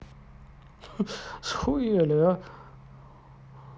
с хуяли